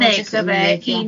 Unig, yfe?